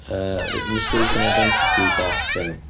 Yy mistaken identity death thing.